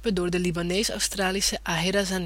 door de Libanees-Australische Aheda